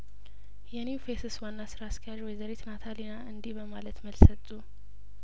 የኒው ፌስስ ዋና ስራ አስኪያጅ ወይዘሪትና ታሊና እንዲህ በማለት መልስ ሰጡ